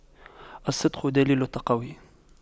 الصدق دليل التقوى